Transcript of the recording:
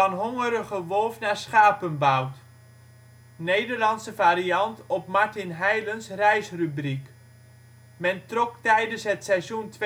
Hongerige Wolf naar Schapenbout: Nederlandse variant op Martin Heylens reisrubriek. Men trok tijdens het seizoen